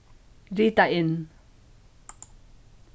rita inn